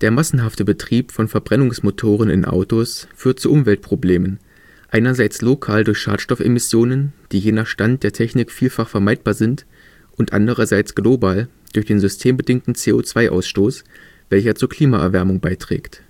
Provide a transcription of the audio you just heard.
massenhafte Betrieb von Verbrennungsmotoren in Autos führt zu Umweltproblemen, einerseits lokal durch Schadstoffemissionen, die je nach Stand der Technik vielfach vermeidbar sind, und andererseits global durch den systembedingten CO2-Ausstoß, welcher zur Klimaerwärmung beiträgt